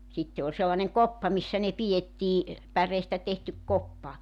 sitten oli sellainen koppa missä ne pidettiin päreestä tehty koppa